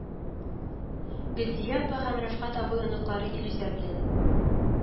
Гөлзия апа һәм Рәфкать абый оныклары Илүзә белән